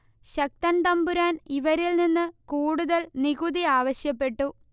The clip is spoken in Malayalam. ശക്തൻ തമ്പുരാൻ ഇവരിൽ നിന്ന് കൂടുതൽ നികുതി ആവശ്യപ്പെട്ടു